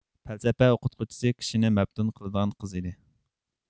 پەلسەپە ئوقۇتقۇچىسى كىشىنى مەپتۇن قىلىدىغان قىز ئىدى